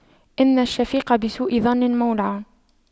إن الشفيق بسوء ظن مولع